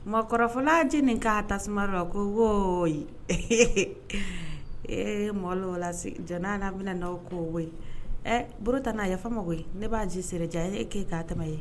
Mɔgɔ kɔrɔfɔfɔla j nin'a ta tasuma la ko ee mɔ wala j' bɛna' ko koyi baro ta n'a yafa ma ne b'a ji sera ja e kɛ k'a tɛmɛ ye